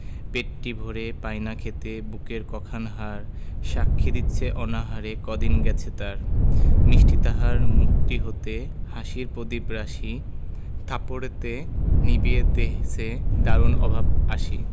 পেটটি ভরে পায় না খেতে বুকের ক খান হাড় সাক্ষী দিছে অনাহারে কদিন গেছে তার মিষ্টি তাহার মুখটি হতে হাসির প্রদীপ রাশি থাপড়েতে নিবিয়ে দেছে দারুণ অভাব আসি